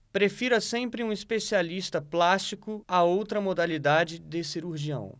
prefira sempre um especialista plástico a outra modalidade de cirurgião